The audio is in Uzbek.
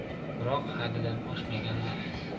biroq haddidan oshmaganlar